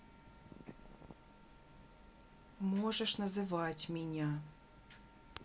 можешь называть меня